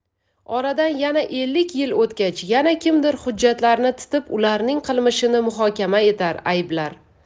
oradan yana ellik yil o'tgach yana kimdir hujjatlarni titib ularning qilmishini muhokama etar ayblar